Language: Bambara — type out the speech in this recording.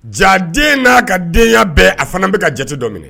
Jaa den n'a ka den bɛɛ a fana bɛ ka jate dɔ minɛ